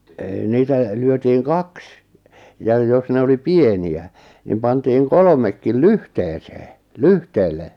ei niitä lyötiin kaksi ja jos ne oli pieniä niin pantiin kolmekin lyhteeseen lyhteelle